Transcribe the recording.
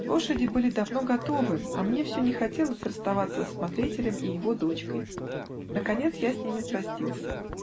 Лошади были давно готовы, а мне все не хотелось расстаться с смотрителем и его дочкой. Наконец я с ними простился